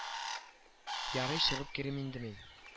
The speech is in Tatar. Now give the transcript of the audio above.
Ярый чыгып керим инде мин